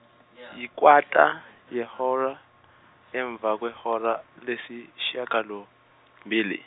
yikwata yihora emva kwehora lesishagalombili.